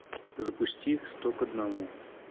запусти сто к одному